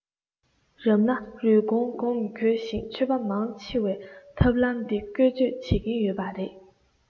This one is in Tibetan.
རབ ན རུས གོང བསྒོམ དགོས ཤིང ཆོས པ མང ཆེ བས ཐབས ལམ འདི བཀོལ སྤྱོད བྱེད ཀྱིན ཡོད པ རེད